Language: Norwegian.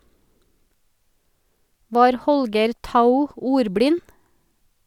Var Holger Tou ordblind?